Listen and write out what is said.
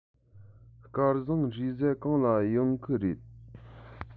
སྐལ བཟང རེས གཟའ གང ལ ཡོང གི རེད